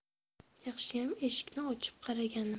yaxshiyam eshikni ochib qaraganim